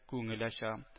Күңел ача